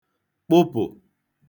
kpụpụ̀